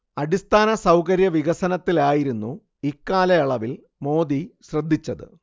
അടിസ്ഥാന സൗകര്യ വികസനത്തിലായിരുന്നു ഇക്കാലയളവിൽ മോദി ശ്രദ്ധിച്ചത്